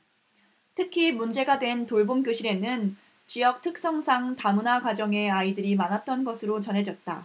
특히 문제가 된 돌봄교실에는 지역 특성상 다문화 가정의 아이들이 많았던 것으로 전해졌다